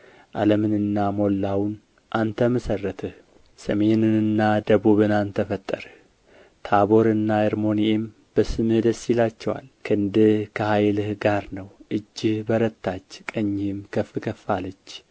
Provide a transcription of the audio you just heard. ዓለምንና ሞላውም አንተ መሠረትህ ሰሜንና ደቡብን አንተ ፈጠርህ ታቦርና አርሞንዔም በስምህ ደስ ይላቸዋል ክንድህ ከኃይልህ ጋር ነው እጅህ በረታች ቀኝህም ከፍ ከፍ አለች